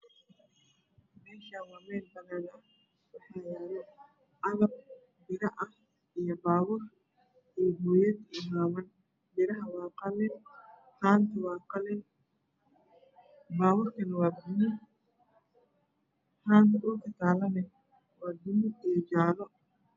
Me shan waa Mel banan ah waxa yaalo Aqbiro ah iyo babur iyo boyad gaban biraha waa qali hantawaaqalin baburkana waa gaduud hanta dhulkatalanawaa gaduud iyo jale